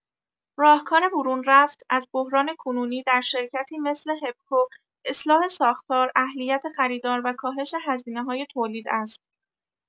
راهکار برون‌رفت از بحران کنونی در شرکتی مثل هپکو اصلاح ساختار، اهلیت خریدار و کاهش هزینه‌های تولید است.